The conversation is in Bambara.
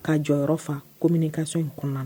Ka jɔ yɔrɔ fa ko mina ka sɔn in kɔnɔna